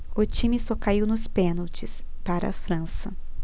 o time só caiu nos pênaltis para a frança